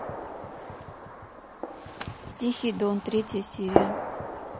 тихий дон третья серия